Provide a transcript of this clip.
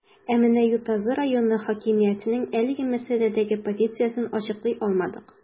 Ә менә Ютазы районы хакимиятенең әлеге мәсьәләдәге позициясен ачыклый алмадык.